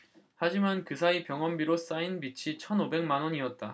하지만 그 사이 병원비로 쌓인 빚이 천 오백 만원이었다